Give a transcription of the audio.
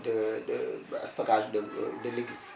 de de stockage de de liquide